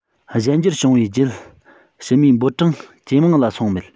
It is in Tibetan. གཞན འགྱུར བྱུང བའི རྒྱུད ཕྱི མའི འབོར གྲངས ཇེ མང ལ སོང མེད